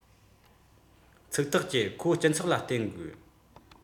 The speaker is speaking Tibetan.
ཚིག ཐག བཅད ཁོ སྤྱི ཚོགས ལ བརྟེན དགོས